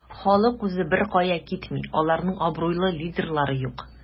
Халык үзе беркая китми, аларның абруйлы лидерлары юк.